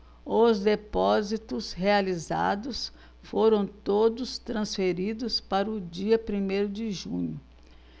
os depósitos realizados foram todos transferidos para o dia primeiro de junho